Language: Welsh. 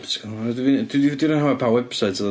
Be ti'n galw fo? Dwi dwi dwi 'di anghofio pa website oedd o.